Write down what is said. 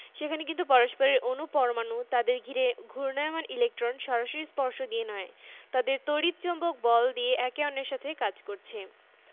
নক্ষত্ররা ঘুরপাক খায় কিংবা সূর্যকে ঘিরে পৃথিবী ঘোরে পৃথিবীকে ঘিরে চাঁদ ঘোরে পৃথিবীর মহাকর্ষ বল যখন আমাদের ওপর কাজ করে সেটাকে আমরা বলি মাধ্যাকর্ষণ